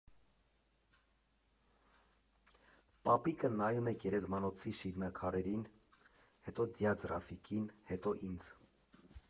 Պապիկը նայում է գերեզմանոցի շիրմաքարերին, հետո ձյաձ Ռաֆիկին, հետո ինձ։